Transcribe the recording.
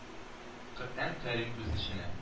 Коръән Кәрим үз эченә